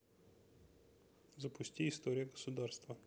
запусти история государства